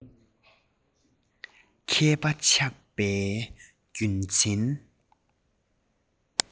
མཁས པ ཆགས པའི རྒྱུ མཚན